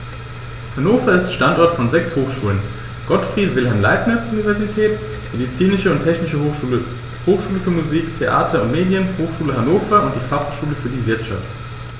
Hannover ist Standort von sechs Hochschulen: Gottfried Wilhelm Leibniz Universität, Medizinische und Tierärztliche Hochschule, Hochschule für Musik, Theater und Medien, Hochschule Hannover und die Fachhochschule für die Wirtschaft.